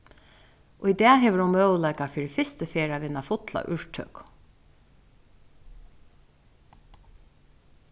í dag hevur hon møguleika fyri fyrstu ferð at vinna fulla úrtøku